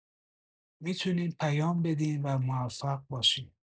می‌تونین پیام بدین و موفق باشین.